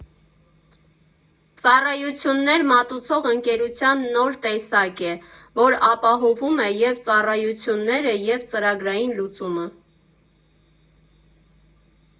Ծառայություններ մատուցող ընկերության նոր տեսակ է, որ ապահովում է և ծառայությունները և ծրագրային լուծումը։